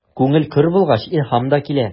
Күңел көр булгач, илһам да килә.